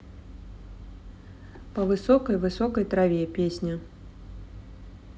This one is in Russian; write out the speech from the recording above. по высокой высокой траве песня